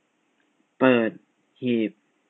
เปิดหีบ